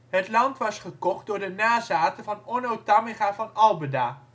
Het land was gekocht van de nazaten van Onno Tamminga van Alberda